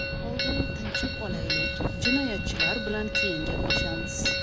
oldin tinchib olaylik jinoyatchilar bilan keyin gaplashamiz